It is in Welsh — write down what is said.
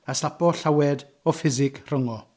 a slapo llawed o ffisig rhwng o.